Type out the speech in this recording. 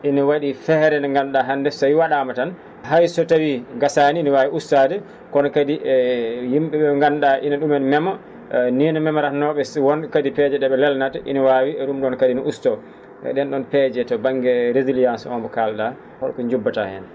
ina wa?i feere nde ngandu?aa hannde so tawii wa?aama tan hay so tawii gasaani no waawi ustaade kono kadi e yim?e ?e nganndu?aa ina ?umen mema ni no memrata no?e si won kadi peeje ?e?e lelnata ina waawi ?um ?oon ne kadi ustoo ?een ?oon peeje to ba?nge résilience o mo kaal?a holko jubbataa heen